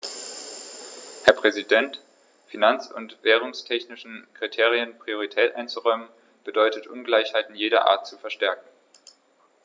Herr Präsident, finanz- und währungstechnischen Kriterien Priorität einzuräumen, bedeutet Ungleichheiten jeder Art zu verstärken.